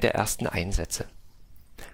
der ersten Einsätze.